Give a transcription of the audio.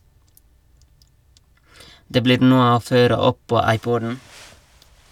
Det blir noe å føre opp på Ipod'en ...